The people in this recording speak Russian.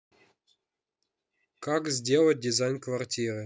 как сделать дизайн квартиры